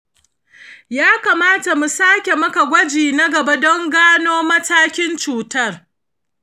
ya kamata mu sake maka gwaji na gaba don mu gano matakin cutar.